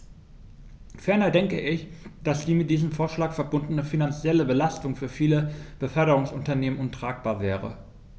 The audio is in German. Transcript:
Ferner denke ich, dass die mit diesem Vorschlag verbundene finanzielle Belastung für viele Beförderungsunternehmen untragbar wäre.